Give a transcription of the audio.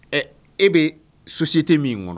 Ɛ e bɛ sososi tɛ min kɔnɔ